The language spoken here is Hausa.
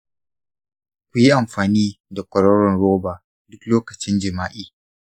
kuyi amfani da kororon roba duk lokacin jima'i